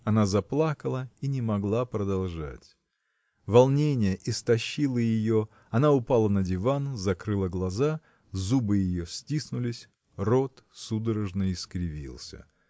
Она заплакала и не могла продолжать. Волнение истощило ее она упала на диван закрыла глаза зубы ее стиснулись рот судорожно искривился.